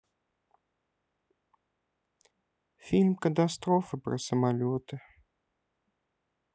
фильм катастрофа про самолеты